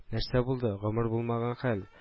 — нәрсә булды, гомер булмаган хәл